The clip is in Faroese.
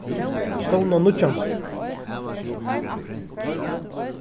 stovna nýggjan bólk